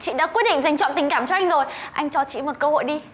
chị đã quyết định dành trọn tình cảm cho anh rồi anh cho chị một cơ hội đi